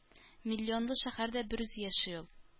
Миллионлы шәһәрдә берүзе яши ул.